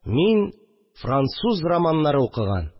Мин – француз романнары укыган